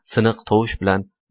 siniq tovush bilan